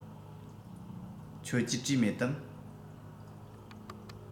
ཁྱོད ཀྱིས བྲིས མེད དམ